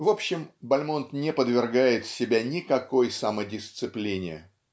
В общем, Бальмонт не подвергает себя никакой самодисциплине.